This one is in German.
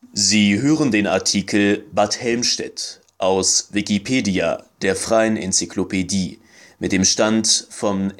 Sie hören den Artikel Bad Helmstedt, aus Wikipedia, der freien Enzyklopädie. Mit dem Stand vom